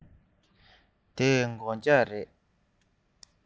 འདི སྒོ ལྕགས རེད